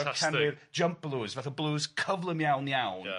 un o'r canwyr jump blues fatha blues cyflym iawn iawn... Ia...